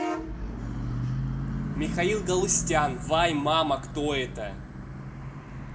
михаил галустян вай мама кто это